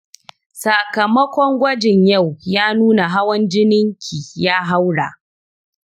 sakamakon gwajin yau ya nuna hawan jininki ya haura